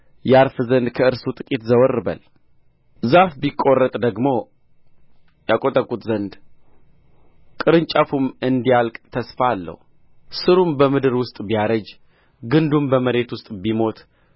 ያርፍ ዘንድ ከእርሱ ጥቂት ዘወር በል ዛፍ ቢቈረጥ ደግሞ ያቈጠቍጥ ዘንድ ቅርንጫፉም እንዳያልቅ ተስፋ አለው ሥሩም በምድር ውስጥ ቢያረጅ ግንዱም በመሬት ውስጥ ቢሞት